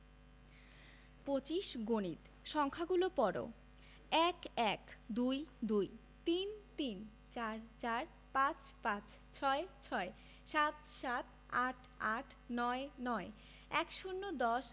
২৫ গণিত সংখ্যাগুলো পড়ঃ ১ - এক ২ - দুই ৩ - তিন ৪ – চার ৫ – পাঁচ ৬ - ছয় ৭ - সাত ৮ - আট ৯ - নয় ১০ – দশ